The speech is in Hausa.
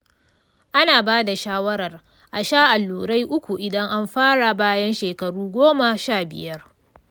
ana ba da shawarar a sha allurai uku idan an fara bayan shekaru goma sha biyar.